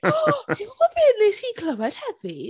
Ti'n gwbod be wnes i clywed heddi?